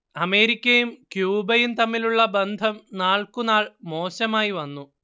അമേരിക്കയും ക്യൂബയും തമ്മിലുള്ള ബന്ധം നാൾക്കുനാൾ മോശമായി വന്നു